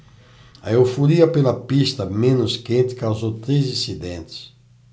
a euforia pela pista menos quente causou três incidentes